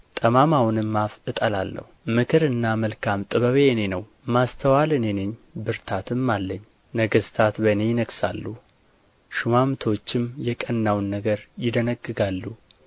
ጠማማውንም አፍ እጠላለሁ ምክርና መልካም ጥበብ የእኔ ነው ማስተዋል እኔ ነኝ ብርታትም አለኝ ነገሥታት በእኔ ይነግሣሉ ሹማምቶችም የቀናውን ነገር ይደነግጋሉ